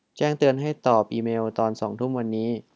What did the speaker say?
แจ้งเตือนให้ตอบอีเมลตอนสองทุ่มวันนี้